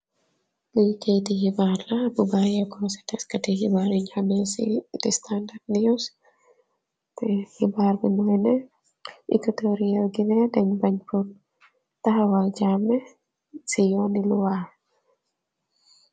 Lii kayiti xibaar la, bayeeko si taskati xibaari,"The Standard News". Xibaari ñungi ne, Ekotoriyal Gine dañg bange, taxawal Jaame, si yooni luwaa.